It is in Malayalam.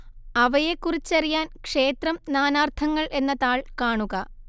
അവയെക്കുറിച്ചറിയാൻ ക്ഷേത്രം നാനാർത്ഥങ്ങൾ എന്ന താൾ കാണുക